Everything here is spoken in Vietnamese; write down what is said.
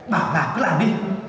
bảo làm cứ làm đi